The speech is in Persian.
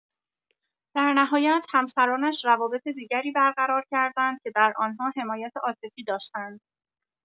در نهایت همسرانش روابط دیگری برقرار کردند که در آن‌ها حمایت عاطفی داشتند.